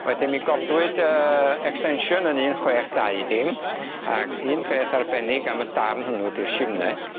Wedyn mi godwyd yy extension yn un chwech dau dim ag un peth arbennig am y darn hwnnw di'r shimne.